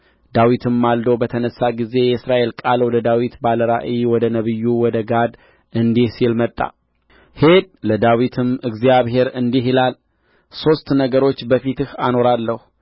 ዳዊትም ማልዶ በተነሣ ጊዜ የእግዚአብሔር ቃል ወደ ዳዊት ባለ ራእይ ወደ ነቢዩ ወደ ጋድ እንዲህ ሲል መጣ ሂድ ለዳዊት እግዚአብሔር እንዲህ ይላል ሦስት ነገሮች በፊትህ አኖራለሁ